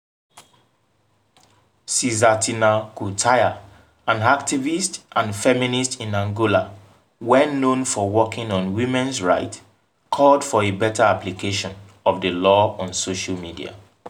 Sizaltina Cutaia, an activist and feminist in Angola well-known for working on women’s rights, called for a better application of the law on social media: